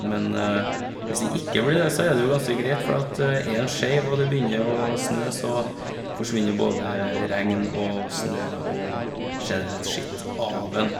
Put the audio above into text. Men hvis den ikke blir det, så er det jo ganske greit, fordi at er den skeiv og det begynner å snø, så forsvinner jo både regn og snø og generelt skitt av den.